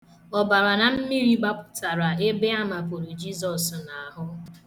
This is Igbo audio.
Ọbara na mmiri gbapụtara ebe a mapuru Jizọs n' ahụ.